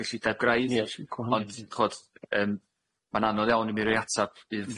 gyllideb graidd ond ch'od yym ma'n anodd iawn i mi roi atab un